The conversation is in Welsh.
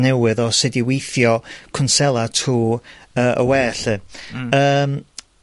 newydd o sud i weithio, cwnsela trw y y we 'lly. Hmm. Yym